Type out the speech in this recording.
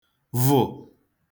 vụ̀